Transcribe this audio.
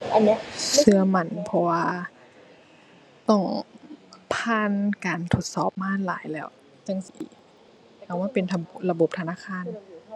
เชื่อมั่น เพราะว่าต้องผ่านการทดสอบมาหลายแล้ว จั่งสิเอามาเป็นระบบธนาคาร